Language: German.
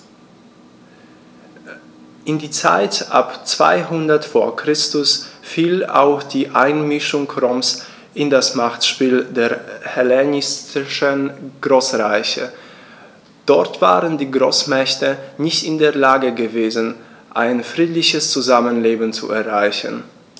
In die Zeit ab 200 v. Chr. fiel auch die Einmischung Roms in das Machtspiel der hellenistischen Großreiche: Dort waren die Großmächte nicht in der Lage gewesen, ein friedliches Zusammenleben zu erreichen.